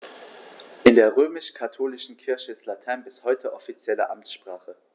In der römisch-katholischen Kirche ist Latein bis heute offizielle Amtssprache.